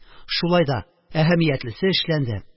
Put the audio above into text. Шулай да әһәмиятлесе эшләнде